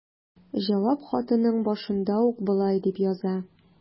Җавап хатының башында ук ул болай дип яза.